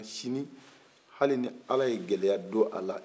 sini hali ala ye gɛlɛya don a la